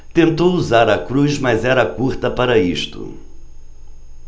tentou usar a cruz mas era curta para isto